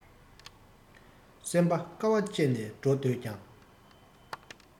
སེམས པ དཀའ བ སྤྱད ནས འགྲོ འདོད ཀྱང